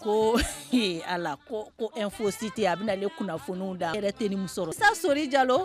Ko a ko ko e fɔ si tɛ yen a bɛ na ale kunnafoni da kɛlɛ tɛeni muso sa sori jalo